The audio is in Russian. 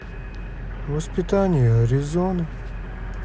воспитание аризоны